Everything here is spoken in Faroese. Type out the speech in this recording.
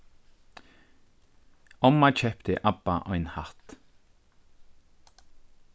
omma keypti abba ein hatt